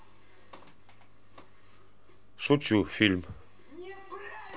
шучу фильм